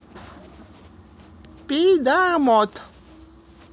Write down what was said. пидармот